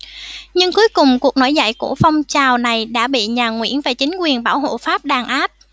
nhưng cuối cùng cuộc nổi dậy của phong trào này đã bị nhà nguyễn và chính quyền bảo hộ pháp đàn áp